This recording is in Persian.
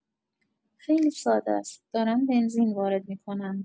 خیلی ساده ست دارن بنزین وارد می‌کنند